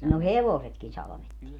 no hevosetkin salvettiin